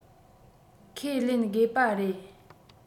ཁས ལེན འགོས པ རེད